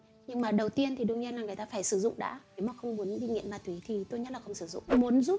nhưng mà đương nhiên đầu tiên thì là người ta phải sử dụng đã nếu mà không muốn bị nghiện ma túy thì tốt nhất là không sử dụng